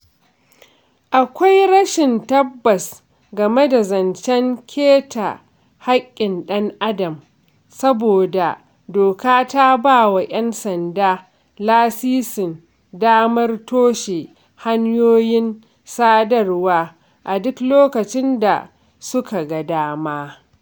Akwai rashin tabbas game da zancen keta haƙƙin ɗan adam saboda doka ta ba wa 'yan sanda lasisin damar toshe hanyoyin sadarwa a duk lokacin da su ka ga dama.